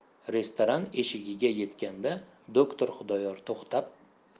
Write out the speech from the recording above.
restoran eshigiga yetganda doktor xudoyor to'xtab